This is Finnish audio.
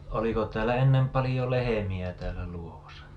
oliko täällä ennen paljon lehmiä täällä Luodossa